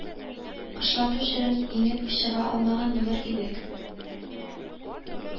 Кышлату чорын иңеп чыга алмаган булыр идек